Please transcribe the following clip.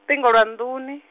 -tingo lwa nḓuni.